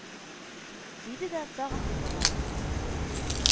Диде дә тагын йокыга китте